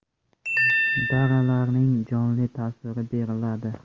daralarning jonli tasviri beriladi